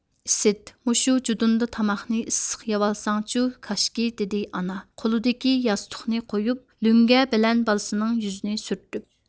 ئىسىت مۇشۇ جۇدۇندا تاماقنى ئىسسق يەۋالساڭچۇ كاشكى دىدى ئانا قولىدىكى ياستۇقنى قويۇپ لۆڭگە بىلەن بالسىنىڭ يۈزىنى سۈرتۈپ